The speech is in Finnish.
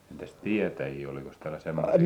entäs tietäjiä oliko täällä semmoisia